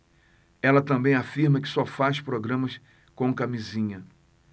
ela também afirma que só faz programas com camisinha